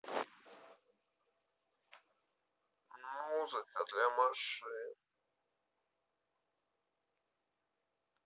музыка для машин